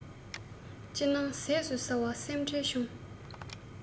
ཅི སྣང ཟས སུ ཟ བས སེམས ཁྲལ ཆུང